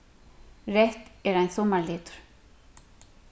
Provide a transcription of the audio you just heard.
reytt er ein summarlitur